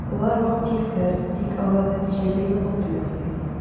Болар вак-төякләр, тик алар нәтиҗәгә йогынты ясый: